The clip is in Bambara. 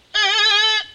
Ɛɛ